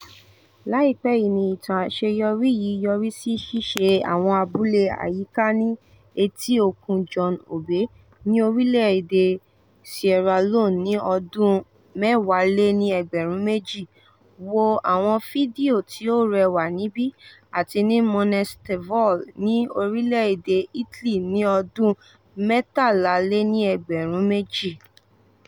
Láìpé yìí ni ìtàn àṣeyọrí yìí yọrí sí ṣíṣe àwọn abúlé àyíká ní Etí Òkun John Obey, ní orílẹ̀ èdè Sierra Leone ní ọdún 2010( wo àwọn fídíò tí ó rẹwà níbí) àti ní Monestevole, ní orílẹ̀ èdè Italy ní ọdún 2013.